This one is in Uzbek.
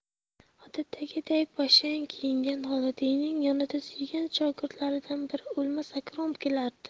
odatdagiday bashang kiyingan xolidiyning yonida suygan shogirdlaridan biri o'lmas akrom kelardi